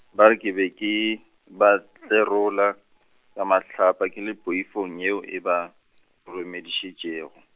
ba re ke be ke, ba tlerola, ka mahlapa, ke le poifong yeo e ba, roromedišitšego.